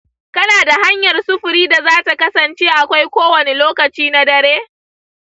kana da hanyar sufuri da za ta kasance akwai kowane lokaci na dare?